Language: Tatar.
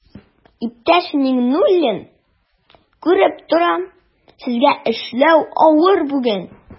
Иптәш Миңнуллин, күреп торам, сезгә эшләү авыр бүген.